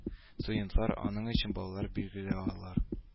Студентлар аның очен баллар билгеләр ала